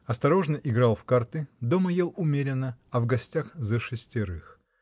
осторожно играл в карты, дома ел умеренно, а в гостях за шестерых.